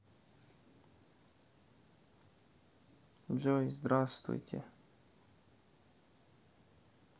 джой здравствуйте